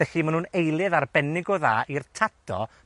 Felly ma' nw'n eilydd arbennig o dda i'r tato